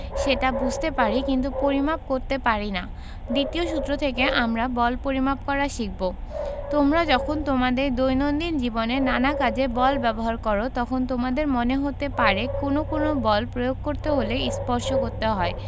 সেটা বুঝতে পারি কিন্তু পরিমাপ করতে পারি না দ্বিতীয় সূত্র থেকে আমরা বল পরিমাপ করা শিখব তোমরা যখন তোমাদের দৈনন্দিন জীবনে নানা কাজে বল ব্যবহার করো তখন তোমাদের মনে হতে পারে কোনো কোনো বল প্রয়োগ করতে হলে স্পর্শ করতে হয়